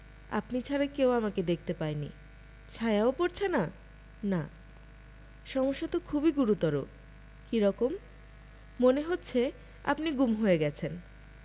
আপনি ছাড়া কেউ আমাকে দেখতে পায়নি ছায়াও পড়ছে না না সমস্যা তো খুবই গুরুতর কী রকম মনে হচ্ছে আপনি গুম হয়ে গেছেন